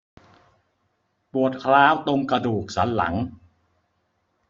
ปวดร้าวตรงกระดูกสันหลัง